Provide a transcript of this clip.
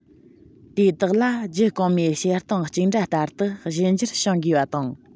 དེ དག ལ རྒྱུད གོང མའི བྱེད སྟངས གཅིག འདྲ ལྟར དུ གཞན འགྱུར བྱུང དགོས པ དང